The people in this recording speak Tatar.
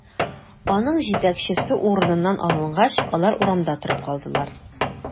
Аның җитәкчесе урыныннан алынгач, алар урамда торып калдылар.